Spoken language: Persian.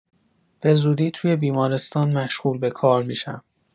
بزودی توی بیمارستان مشغول به کار می‌شم.